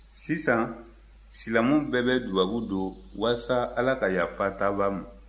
sisan silamɛw bɛɛ bɛ dubabu don walasa ala ka yafa taabaa ma